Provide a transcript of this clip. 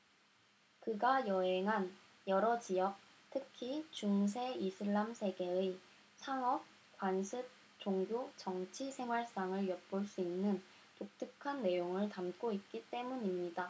그가 여행한 여러 지역 특히 중세 이슬람 세계의 상업 관습 종교 정치 생활상을 엿볼 수 있는 독특한 내용을 담고 있기 때문입니다